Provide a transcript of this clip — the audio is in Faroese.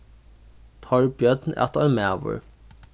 torbjørn æt ein maður